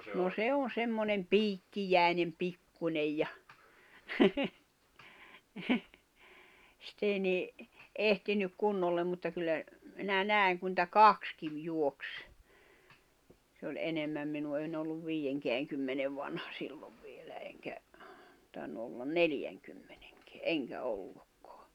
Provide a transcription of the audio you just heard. no se on semmoinen piikkiäinen pikkuinen ja sitä ei niin ehtinyt kunnolla mutta kyllä minä näin kun niitä kaksikin juoksi se oli enemmän minun en ollut viidenkäänkymmenen vanha silloin vielä enkä tainnut olla neljänkymmenenkään enkä ollutkaan